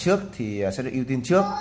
đặt hàng trước sẽ được ưu tiên trước